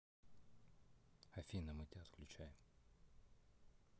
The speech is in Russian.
афина мы тебя отключаем